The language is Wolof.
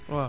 waaw